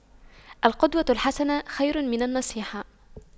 القدوة الحسنة خير من النصيحة